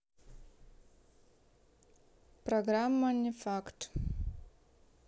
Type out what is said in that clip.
программа не факт